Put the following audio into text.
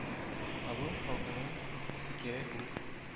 Авыл халкының фикере ул.